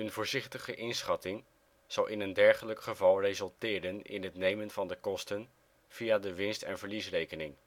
voorzichtige inschatting zal in een dergelijk geval resulteren in het nemen van de kosten via de winst - en verliesrekening